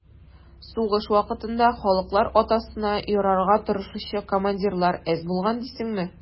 Сугыш вакытында «халыклар атасына» ярарга тырышучы командирлар әз булган дисеңме?